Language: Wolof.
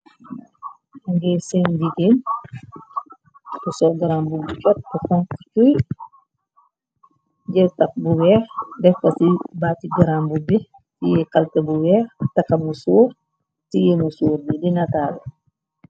Ngee seen digéen, tuse grambubbi fetb fonktuy, jërtax bu weex, deffa ci ba ci grambubbi, ci ye kalte bu weex, taxamu suur, ci yemu sóur bi di nataale.